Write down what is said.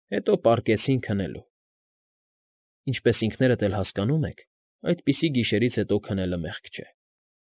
Հետո պարկեցին քնելու։ Ինչպես ինքներդ էլ հասկանում եք, այդպիսի գիշերից հետո քնելը մեղք չէ։